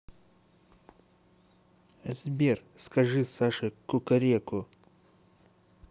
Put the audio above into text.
сбер скажи саше кукареку